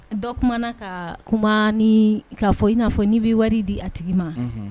Dɔumana ka kuma ni k'a fɔ i'a fɔ n bɛ wari di a tigi ma